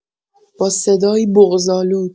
با صدایی بغض‌آلود